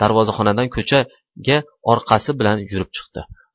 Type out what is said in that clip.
darvozaxonadan ko'chaga orqasi bilan yurib chiqdi